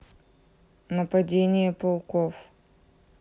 нападение пауков